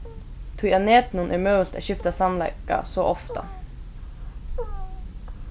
tí á netinum er møguligt at skifta samleika so ofta